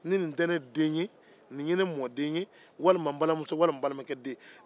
ni nin tɛ ne den ye nin ye ne mɔden ye walima n balimasuso den walima n balimakɛden